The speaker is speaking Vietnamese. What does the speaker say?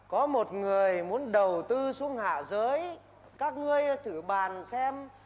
có một người muốn đầu tư xuống hạ giới các ngươi thử bàn xem